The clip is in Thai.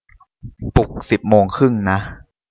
ปลุกสิบโมงครึ่งนะ